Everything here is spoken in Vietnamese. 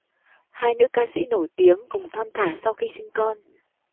hai nữ ca sỹ nổi tiếng cùng thon thả sau khi sinh con